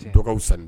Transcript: Dɔgɔw sani